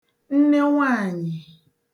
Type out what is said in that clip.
nnenwaànyị̀